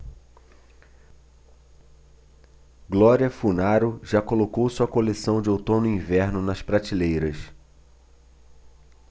glória funaro já colocou sua coleção de outono-inverno nas prateleiras